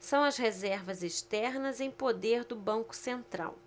são as reservas externas em poder do banco central